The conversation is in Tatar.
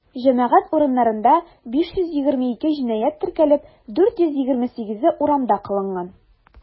Җәмәгать урыннарында 522 җинаять теркәлеп, 428-е урамда кылынган.